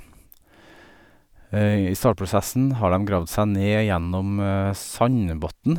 I startprosessen har dem gravd seg ned gjennom sandbotnen.